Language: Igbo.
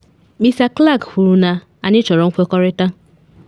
Mr Clark kwuru na “Anyị chọrọ nkwekọrịta,”